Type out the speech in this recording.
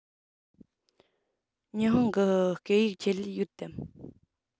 ཉི ཧོང གི སྐད ཡིག ཆེད ལས ཡོད དམ